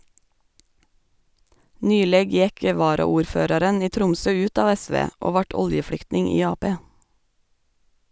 Nyleg gjekk varaordføraren i Tromsø ut av SV og vart oljeflyktning i Ap.